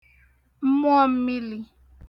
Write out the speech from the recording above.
mmụọmmili